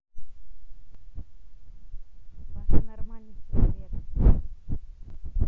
паша нормальный человек